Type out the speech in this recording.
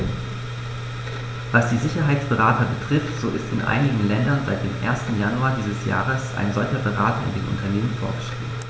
Was die Sicherheitsberater betrifft, so ist in einigen Ländern seit dem 1. Januar dieses Jahres ein solcher Berater in den Unternehmen vorgeschrieben.